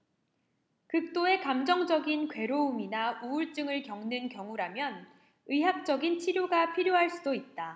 극도의 감정적인 괴로움이나 우울증을 겪는 경우라면 의학적인 치료가 필요할 수도 있다